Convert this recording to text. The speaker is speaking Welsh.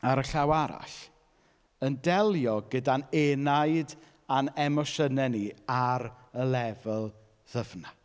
Ar y llaw arall yn delio gyda'n enaid a'n emosiynau ni ar y lefel ddyfnaf.